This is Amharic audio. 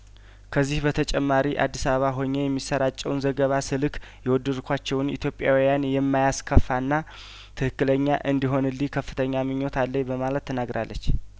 ከዚህ በተጨማሪ አዲስ አበባ ሆኜ የሚሰራጨውን ዘገባ ስልክ የወደድ ኳቸውን ኢትዮጵያውያን የማያስከፋና ትክክለኛ እንዲሆንልኝ ከፍተኛ ምኞች አለኝ በማለት ተናግራለች